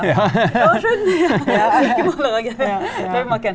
nå skjønner jeg bjørkemålerangrep bjørkemåleren.